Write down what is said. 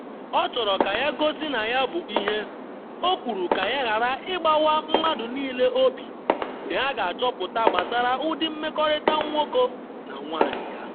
Ọ chọro ka ya gosi na ya bụ “ihe”, o kwuru, ka ya ghara ịgbawa mmadụ niile obi mgbe ha ga-achọpụta gbasara ụdị mmekọrịta nwoke na nwanyị ya.